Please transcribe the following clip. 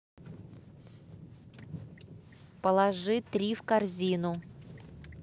положи три в корзину